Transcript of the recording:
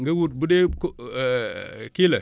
nga wut bu dee co kii la